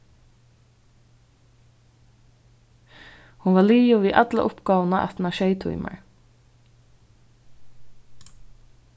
hon varð liðug við alla uppgávuna aftan á sjey tímar